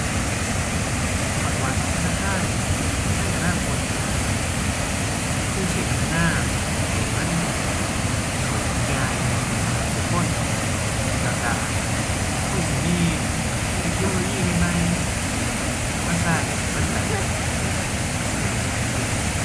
ข้อยว่าแอปธนาคารในอนาคต ก็คงสิพัฒนาให้มันเข้าถึงง่ายสำหรับซุคน แล้วก็คงสิมีเทคโนโลยีใหม่ใหม่ เอ้อ เอามาก็ให้มันแบบ ก็ได้ง่ายขึ้นน่ะ